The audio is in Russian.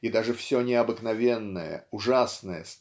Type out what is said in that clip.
и даже все необыкновенное ужасное